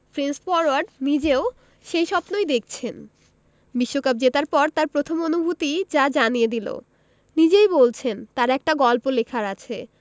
French forward নিজেও সেই স্বপ্নই দেখছেন বিশ্বকাপ জেতার পর তাঁর প্রথম অনুভূতিই যা জানিয়ে দিল নিজেই বলছেন তাঁর একটা গল্প লেখার আছে